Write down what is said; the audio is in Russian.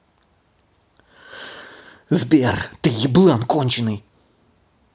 сбер ты еблан конченный